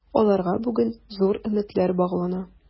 Аларга бүген зур өметләр баглана.